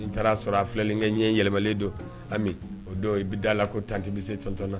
N taara sɔrɔ a filɛlenkɛ ɲɛ yɛlɛmalen don kabini o don i bɛ da' la ko tantɛ bɛ se tɔn9 na